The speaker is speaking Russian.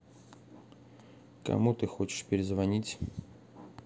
кому ты хочешь перезвонить